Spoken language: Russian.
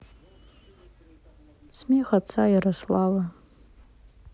смех отца ярослава